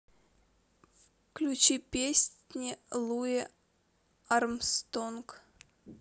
включи песни луи армстронг